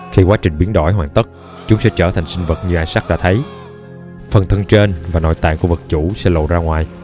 khi quá trình biến đổi hoàn tất chúng sẽ trở thành sinh vật như isaac đã thấy phần thân trên và nội tạng của vật chủ sẽ lộ ra ngoài